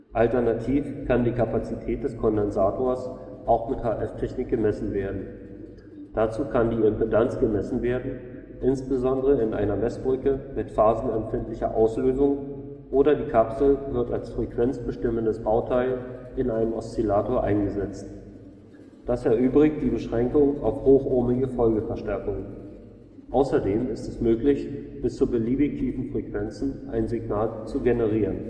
Alternativ kann die Kapazität des Kondensators auch mit HF-Technik gemessen werden. Dazu kann die Impedanz gemessen werden, insbesondere in einer Messbrücke mit phasenempfindlicher Auslesung, oder die Kapsel wird als frequenzbestimmendes Bauteil in einem Oszillator eingesetzt. Das erübrigt die Beschränkung auf hochohmige Folgeverstärkung. Außerdem ist es möglich, bis zu beliebig tiefen Frequenzen ein Signal zu generieren